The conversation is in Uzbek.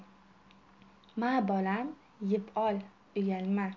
ma bolam yeb ol uyalma